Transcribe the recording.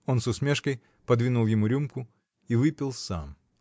Он с усмешкой подвинул ему рюмку и выпил сам.